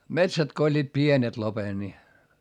metsät kun olivat pienet lopen niin